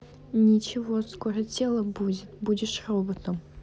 ничего скоро тело будет будешь роботом